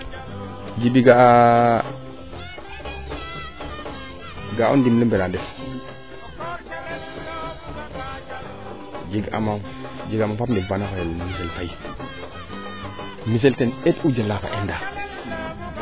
Djiby ga'a ga'a o ndimle mberaan de jeg aam baab ɗemb faa na xooyel Michel Faye Michel ten eet u jala fo ENDA